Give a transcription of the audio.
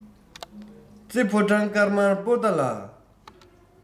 རྩེ ཕོ བྲང དཀར དམར པོ ཏ ལ